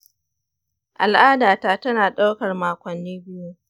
al’adata tana ɗaukar makonni biyu.